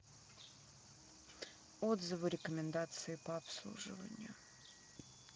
отзывы рекомендации по обслуживанию